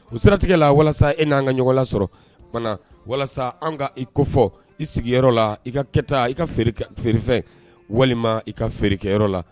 U siratigɛ la walasa e n'an ka ɲɔgɔn la sɔrɔ walasa an ka i kofɔ i sigiyɔrɔ la i ka kɛ i ka feere walima i ka feerekɛyɔrɔ la